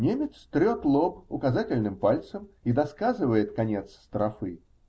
" Немец трет лоб указательным пальцем и досказывает конец строфы.